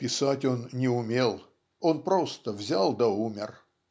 "писать он не умел, - он просто взял да умер".